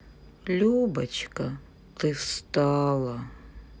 любочка ты встала